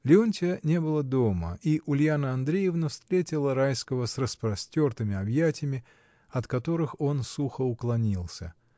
Леонтья не было дома, и Ульяна Андреевна встретила Райского с распростертыми объятиями, от которых он сухо уклонился.